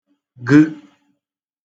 -gə